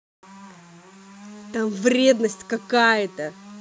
там вредность какая то